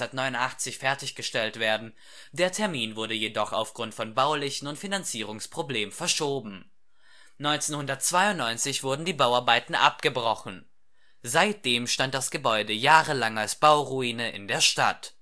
1989 fertiggestellt werden. Der Termin wurde jedoch aufgrund von baulichen und Finanzierungsproblemen verschoben. 1992 wurden die Bauarbeiten abgebrochen. Seitdem stand das Gebäude jahrelang als Bauruine in der Stadt